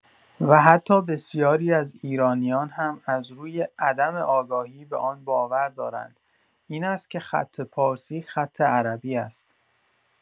و حتی بسیاری از ایرانیان هم از روی عدم آگاهی به آن باور دارند این است که خط پارسی خط عربی است.